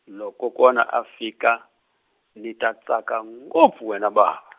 lo kokwana a fika ni ta tsaka ngopfu wena bava.